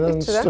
ikkje det?